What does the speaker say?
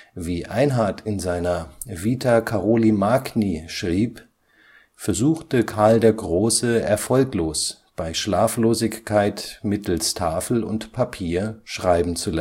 Wie Einhard in seiner Vita Karoli Magni schrieb, versuchte Karl der Große erfolglos, bei Schlaflosigkeit mittels Tafel und Papier Schreiben zu